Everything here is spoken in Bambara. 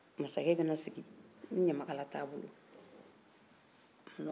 masakɛ mana sigi ni namakala t'a bolo